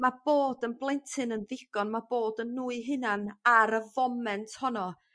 ma' bod yn blentyn yn ddigon ma' bod yn nw 'u hunan ar y foment honno